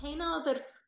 Chi nod yr